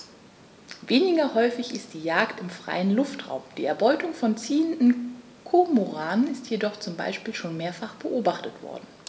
Weniger häufig ist die Jagd im freien Luftraum; die Erbeutung von ziehenden Kormoranen ist jedoch zum Beispiel schon mehrfach beobachtet worden.